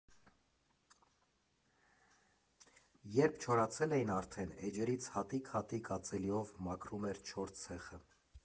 Երբ չորացել էին արդեն, էջերից հատիկ֊հատիկ ածելիով մաքրում էր չոր ցեխը։